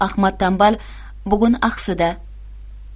ahmad tanbal bugun axsida